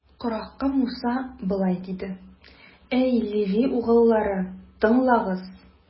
Корахка Муса болай диде: Әй Леви угыллары, тыңлагыз!